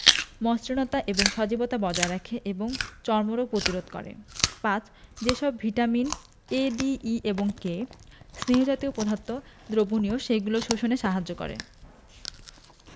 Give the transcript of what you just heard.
মসৃণতা এবং সজীবতা বজায় রাখে এবং চর্মরোগ পতিরোধ করে ৫. যে সব ভিটামিন এ ডি ই এবং কে স্নেহ জাতীয় পদার্থ দ্রবণীয় সেগুলো শোষণে সাহায্য করে